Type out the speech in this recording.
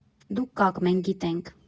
Դուք կաք, մենք գիտենք։